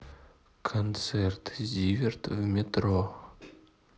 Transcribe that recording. концерт зиверт в метро